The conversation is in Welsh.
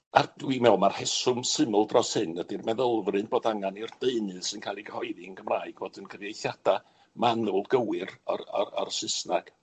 A dwi'n me'wl ma'r rheswm syml dros hyn ydy'r meddylfryn bod angan i'r deunydd sy'n ca'l 'i gyhoeddi yn Gymraeg fod yn cyfieithiada manwl gywir o'r o'r o'r Sysnag.